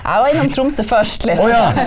jeg var innom Tromsø først litt.